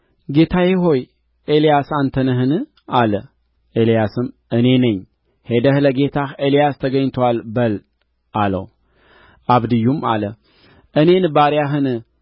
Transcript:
ጌታዬ ሆይ ኤልያስ አንተ ነህን አለ ኤልያስም እኔ ነኝ ሄደህ ለጌታህ ኤልያስ ተገኝቶአል በል አለው አብድዩም አለ እኔን ባሪያህን